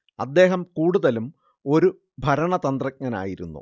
അദ്ദേഹം കൂടുതലും ഒരു ഭരണതന്ത്രജ്ഞനായിരുന്നു